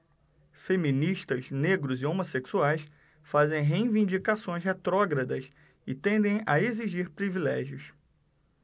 feministas negros e homossexuais fazem reivindicações retrógradas e tendem a exigir privilégios